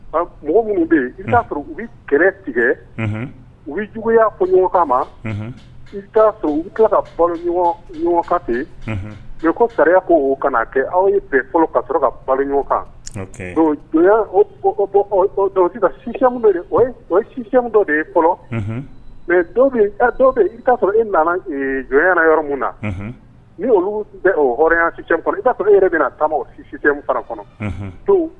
Tigɛ u bɛ ia tila ka balo mɛ ko ko kana kɛ aw ye ka ka balo ɲɔgɔn kan si dɔ mɛ'a sɔrɔ nana jɔn yɔrɔ na ni oluya si kɔnɔ i'a sɔrɔ e yɛrɛ bɛna taama o sisi kɔnɔ